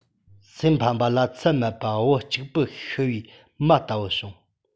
སེམས ཕམ པ ལ ཚད མེད པ བུ གཅིག པུ ཤི བའི མ ལྟ བུ བྱུང